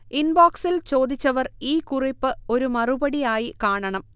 ഇൻബോക്സിൽ ചോദിച്ചവർ ഈ കുറിപ്പ് ഒരു മറുപടി ആയി കാണണം